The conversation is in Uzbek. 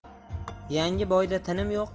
yangi boyda tinim